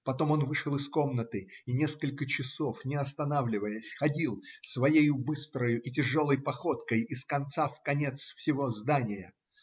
Потом он вышел из комнаты и несколько часов, не останавливаясь, ходил своею быстрою и тяжелой походкой из конца в конец всего здания.